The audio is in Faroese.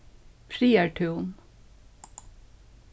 friðartún